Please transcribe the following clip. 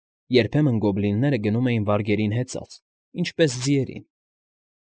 Երբեմն գոբլինները գնում էին վարգերին հեծած, ինչպես ձիերին։